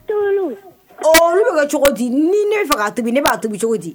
Olu bɛ kɛ cogo di ni ne faga tugun ne b'a to cogo di